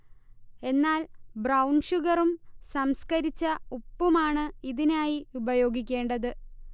എന്നാൽ ബ്രൌൺ ഷുഗറും സംസ്കരിച്ച ഉപ്പുമാണ് ഇതിനായി ഉപയോഗിക്കേണ്ടത്